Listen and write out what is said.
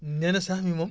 nee na sax mi moom